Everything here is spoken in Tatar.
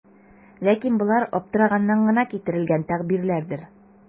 Ләкин болар аптыраганнан гына китерелгән тәгъбирләрдер.